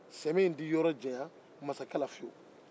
sɛmɛ tɛ yɔrɔ janya masakɛ la fewu